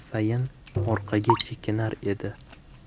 sayin orqaga chekinar edi